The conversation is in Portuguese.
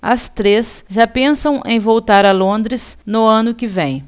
as três já pensam em voltar a londres no ano que vem